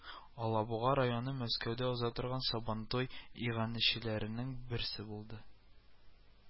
Алабуга районы Мәскәүдә уза торган Сабантуй иганәчеләренең берсе булды